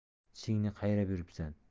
tishingni qayrab yuribsan